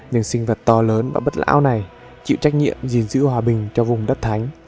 những sinh vật to lớn và bất lão này chịu trách nhiệm giữ gìn hòa bình cho vùng đất thánh